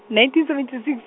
nineteen seventy six.